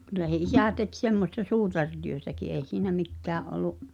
kyllä se isä teki semmoista suutarityötäkin ei siinä mikään ollut